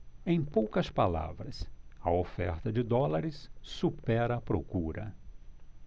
em poucas palavras a oferta de dólares supera a procura